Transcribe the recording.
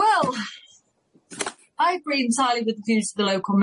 Well, I agree entirely with the views of the local